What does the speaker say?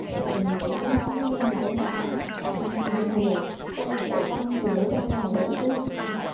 tại vì lương giáo viên thì không có không được nhiều tôi là dạy văn thì lấy đâu ra mà dạy thêm